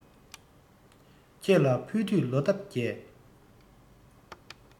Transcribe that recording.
ཁྱེད ལ ཕུལ དུས ལོ འདབ རྒྱས